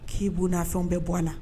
K'i bona fɛn bɛ bɔ na